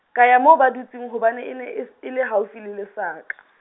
ka ya moo ba dutseng ho ba e ne es-, e le haufi le lesaka.